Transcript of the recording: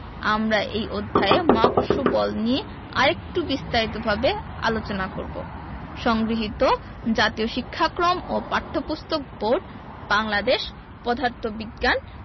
আমরা এই অধ্যায়ে মহাকর্ষ বল নিয়ে আরেকটু বিস্তারিতভাবে আলোচনা করব সংগৃহীত জাতীয় শিক্ষাক্রম ও পাঠ্যপুস্তক বোর্ড বাংলাদেশ পদার্থ বিজ্ঞান